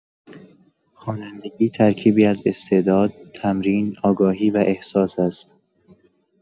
خوانندگی ترکیبی از استعداد، تمرین، آگاهی و احساس است.